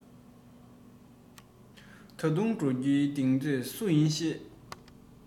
ད དུང འགྲོ རྒྱུའི གདེང ཚོད སུ ཡིས ཤེས